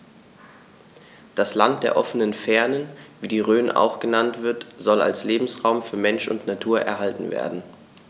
Das „Land der offenen Fernen“, wie die Rhön auch genannt wird, soll als Lebensraum für Mensch und Natur erhalten werden.